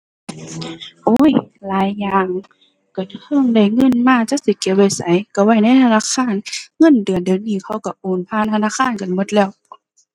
โอ๊ย หลายอย่าง ก็เทิงได้เงินมาจักสิเก็บไว้ไสก็ไว้ในธนาคาร เงินเดือนเดี๋ยวนี้เขาก็โอนผ่านธนาคารกันก็แล้ว